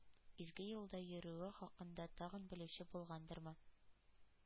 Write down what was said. Изге юлда йөрүе хакында тагын белүче булгандырмы,